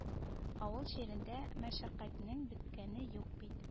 Авыл җирендә мәшәкатьнең беткәне юк бит